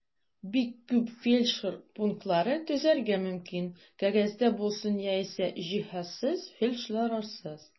Бик күп фельдшер пунктлары төзергә мөмкин (кәгазьдә булсын яисә җиһазсыз, фельдшерларсыз).